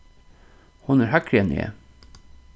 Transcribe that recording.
hon er hægri enn eg